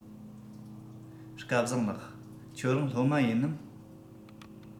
སྐལ བཟང ལགས ཁྱེད རང སློབ མ ཡིན ནམ